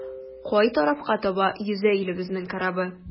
Кай тарафка таба йөзә илебезнең корабы?